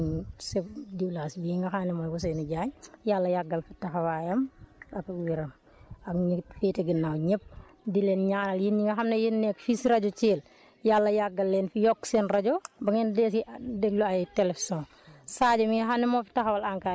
man maa koy ñaan di ñaanal suñu chef de village bii nga xam ne mooy Ousseynou Diagne yàlla yàggal taxawaayam ak wéram ak ñi féete ginnaaw ñëpp di leen ñaanal yéen ñi nga xam ne yéen a nekk fii si rajo Thiel yàlla yàggal leen fi yokk seen rajo ba ngeen dee si déglu ak télé son